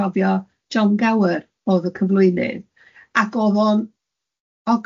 dwi'n cofio John Gower o'dd y cyflwynydd ac o'dd o'n o'dd